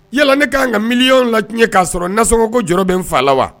Yala ne ka kan ka miliy laɲɛ k'a sɔrɔ nas ko jɔ bɛ faga la wa